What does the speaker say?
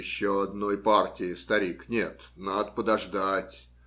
- Еще одной партии, старик, нет; надо подождать.